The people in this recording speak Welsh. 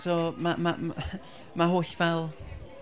So ma- ma- ma' holl fel...